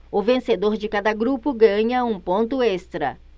o vencedor de cada grupo ganha um ponto extra